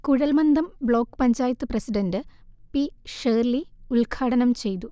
Kuzhalmandam block panchayat president P Shirley ഉൽഘാടനംചെയ്തു